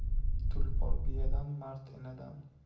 tulpor biyadan mard enadan